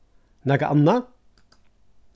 nakað annað